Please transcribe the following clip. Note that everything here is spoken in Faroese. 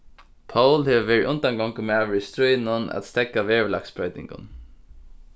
pól hevur verið undangongumaður í stríðinum at steðga veðurlagsbroytingum